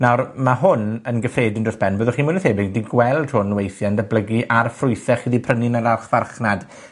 nawr, ma' hwn yn gyffredin dros ben. Byddwch chi mwy na thebyg 'di gweld hwn weithie'n datblygu a'r ffrwythe chi ;di prynu yn yr archfarchnad.